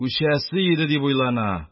Күчәсе иде! - дип уйлана